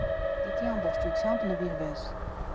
Պիտի ամբողջությամբ նվիրվես։